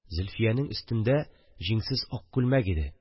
Зөлфиянең өстендә җиңсез ак күлмәк иде